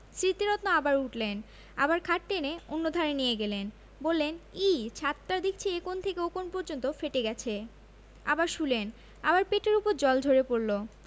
স্মৃতিরত্ন আবার উঠলেন আবার খাট টেনে অন্যধারে নিয়ে গেলেন বললেন ইঃ ছাতটা দেখচি এ কোণ থেকে ও কোণ পর্যন্ত ফেটে গেছে আবার শুলেন আবার পেটের উপর জল ঝরে পড়ল